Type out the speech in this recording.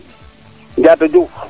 Niata Diouf